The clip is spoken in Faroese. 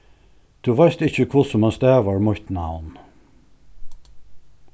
tú veitst ikki hvussu mann stavar mítt navn